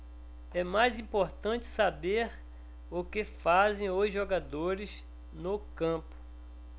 é mais importante saber o que fazem os jogadores no campo